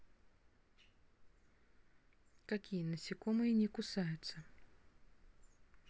какие насекомые не кусаются